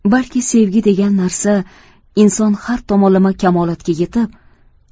balki sevgi degan narsa inson har tomonlama kamolotga yetib